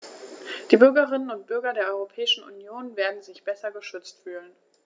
Die Bürgerinnen und Bürger der Europäischen Union werden sich besser geschützt fühlen.